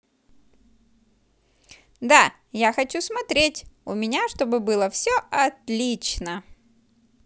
да я хочу смотреть у меня чтобы было все отлично